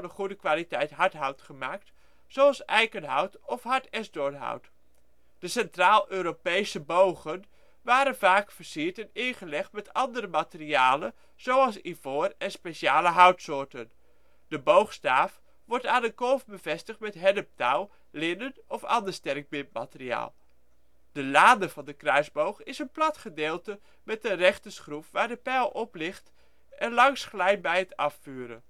goede kwaliteit hardhout gemaakt, zoals eikenhout of hard esdoornhout. De Centraal-Europese bogen waren vaak versierd en ingelegd met andere materialen zoals ivoor en speciale houtsoorten. De boogstaaf wordt aan de kolf bevestigd met henneptouw, linnen, of ander sterk bindmateriaal. De lade van de kruisboog is een plat gedeelte met een rechte groef waar de pijl op ligt en langs glijdt bij het afvuren